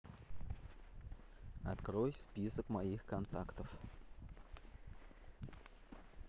открой список моих контактов